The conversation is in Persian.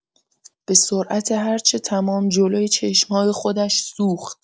به‌سرعت هر چه تمام جلوی چشم‌های خودش سوخت.